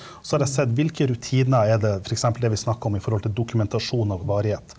så har jeg sett hvilke rutiner er det f.eks. det er vi snakker om i forhold til dokumentasjon av varighet.